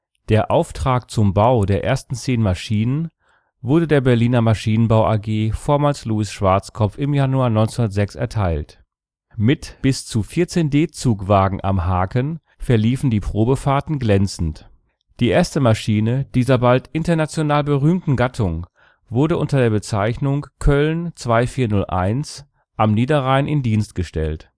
Der Auftrag zum Bau der ersten zehn Maschinen wurde der Berliner Maschinenbau AG vormals L. Schwartzkopff im Januar 1906 erteilt. Mit bis zu 14 D-Zugwagen am Haken verliefen die Probefahrten glänzend. Die erste Maschine dieser bald international berühmten Gattung wurde unter der Bezeichnung „ Coeln 2401 " am Niederrhein in Dienst gestellt